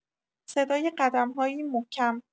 صدای قدم‌هایی محکم